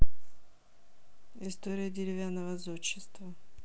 история деревянного зодчества